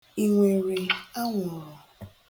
I nwere anwụrụ?